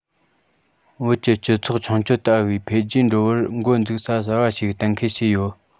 བོད ཀྱི སྤྱི ཚོགས མཆོང སྐྱོད ལྟ བུའི འཕེལ རྒྱས འགྲོ བར འགོ འཛུགས ས གསར པ ཞིག གཏན འཁེལ བྱས ཡོད